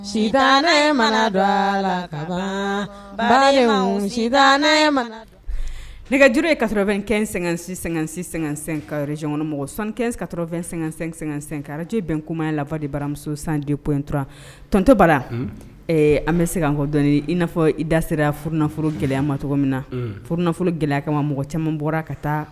Ma nɛgɛj ye kafɛnɛn--sɛ-sɛsɛ kareyɔn mɔgɔ sanɛnkaorofɛn--sɛsɛn karatarej bɛn kumaya lafa de baramuso san dep intura tonto bara ee an bɛ se an kɔ dɔn i n'afɔ i da serara fforo gɛlɛya ma cogo min na fffolo gɛlɛyakɛ ma mɔgɔ caman bɔra ka taa